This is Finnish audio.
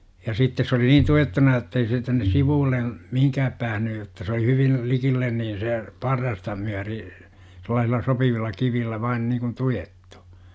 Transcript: ja sitten se oli niin tuettuna jotta ei se tänne sivulle mihinkään päässyt jotta se oli hyvin likelle niin se parrasta myöten sellaisilla sopivilla kivillä vain niin kuin tuettu